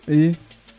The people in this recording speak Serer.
i